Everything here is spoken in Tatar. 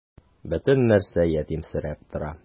Бөтен нәрсә ятимсерәп тора.